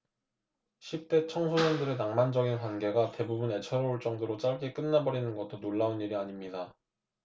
십대 청소년들의 낭만적인 관계가 대부분 애처로울 정도로 짧게 끝나 버리는 것도 놀라운 일이 아닙니다